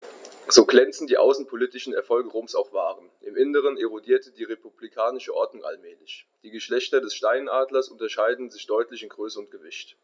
So glänzend die außenpolitischen Erfolge Roms auch waren: Im Inneren erodierte die republikanische Ordnung allmählich. Die Geschlechter des Steinadlers unterscheiden sich deutlich in Größe und Gewicht.